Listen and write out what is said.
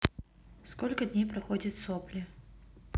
сколько дней проходит сопли